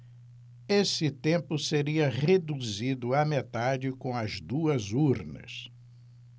esse tempo seria reduzido à metade com as duas urnas